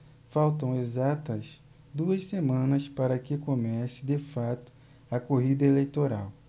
faltam exatas duas semanas para que comece de fato a corrida eleitoral